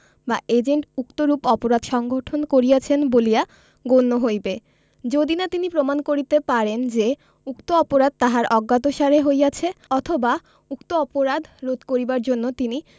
বা এজেন্ট উক্তরূপ অপরাধ সংঘটন করিয়াছেন বলিয়া গণ্য হইবে যদি না তিনি প্রমাণ করিতে পারেন যে উক্ত অপরাধ তাহার অজ্ঞাতসারে হইয়াছে অথবা উক্ত অপরাধ রোধ করিবার জন্য তিনি